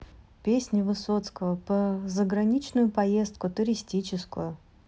песня высоцкого про заграничную поездку туристическую